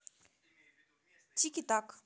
тики так